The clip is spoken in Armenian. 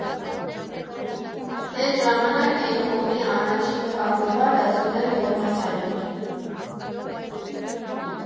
Էն ժամանակ Կենտկոմի առաջին քարտուղարը Սուրեն Թովմասյանն էր։